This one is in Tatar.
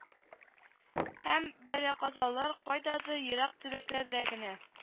Һәм бәлаказалар кайдадыр ерак төбәкләрдә генә